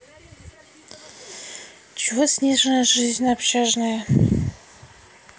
чего снежная жизнь общажная